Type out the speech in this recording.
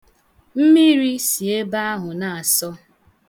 Mmiri si ebe ahụ na-asọ.